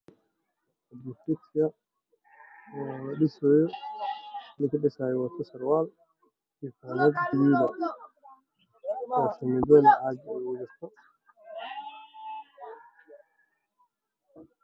Meeshaan waa guryo dhismo ku socdo waxaa dhex taagan nin wata fanaanid guduuda iyo suraal jaalala ah